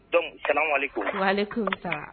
Don kana ko